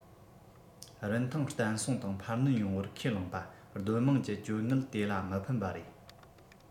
རིན ཐང བརྟན སྲུང དང འཕར སྣོན ཡོང བར ཁས བླངས པ སྡོད དམངས ཀྱི བཅོལ དངུལ དེ ལ མི ཕན པ རེད